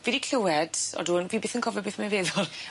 Fi 'di clywed ydw on' fi byth yn cofio beth ma'n feddwl.